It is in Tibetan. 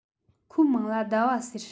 ཁོའི མིང ལ ཟླ བ ཟེར